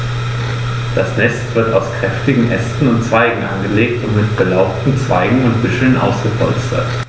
Das Nest wird aus kräftigen Ästen und Zweigen angelegt und mit belaubten Zweigen und Büscheln ausgepolstert.